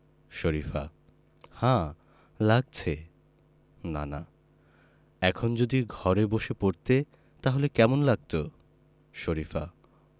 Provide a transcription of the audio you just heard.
শরিফা হ্যাঁ লাগছে নানা এখন যদি ঘরে বসে পড়তে তাহলে কেমন লাগত শরিফা